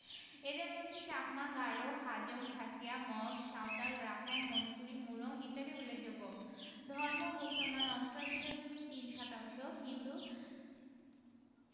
এদের মধ্যে চাকমা গারো হাজং খাসিয়া মগ সাঁওতাল রাখাইন মণিপুরী মুরং ইত্যাদি উল্লেখযোগ্য ধর্ম মুসলমান ৮৮দশমিক ৩ শতাংশ হিন্দু